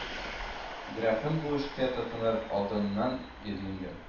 Грэхем бу эшкә тотыныр алдыннан Бирмингем